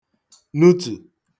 nutù